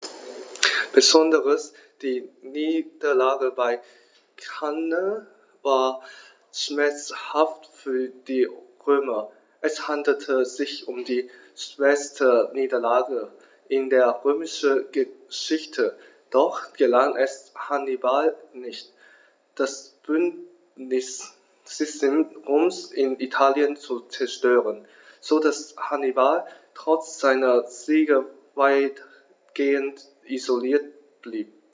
Besonders die Niederlage bei Cannae war schmerzhaft für die Römer: Es handelte sich um die schwerste Niederlage in der römischen Geschichte, doch gelang es Hannibal nicht, das Bündnissystem Roms in Italien zu zerstören, sodass Hannibal trotz seiner Siege weitgehend isoliert blieb.